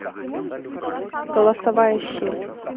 голосовая щель